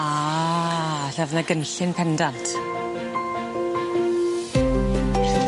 Ah ella fydda gynllun pendant.